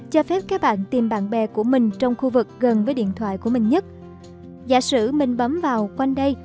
cho phép các bạn tìm bạn bè của mình trong khu vực gần với điện thoại của mình nhất giả sử mình bấm vào quanh đây